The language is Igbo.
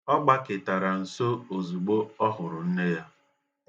Ọ gbaketara nso ozigbo ọ hụrụ nne ya.